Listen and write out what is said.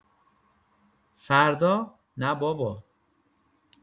فردا نه بابا!